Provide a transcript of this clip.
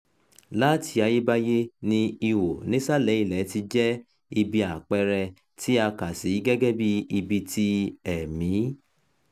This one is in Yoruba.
Láti ayébáyé ni ihò nísàlẹ̀ ilẹ̀ ti jẹ́ ibi àpẹẹrẹ tí a kà sí gẹ́gẹ́ bí ibi ti ẹ̀mí.